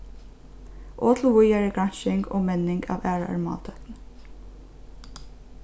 og til víðari gransking og menning av aðrari máltøkni